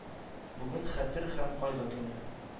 Бүген – Хәтер һәм кайгы көне.